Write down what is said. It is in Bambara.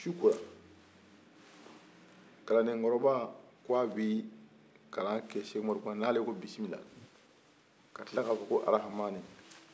su kora kalanden kɔrɔba k'a bi kalan kɛ sɛkumaru kuna n'ale ko bisimila a tila ka fɔ arahamani